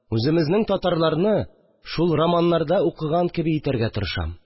Үземезнең татарларны шул романнарда укыган кеби итәргә тырышам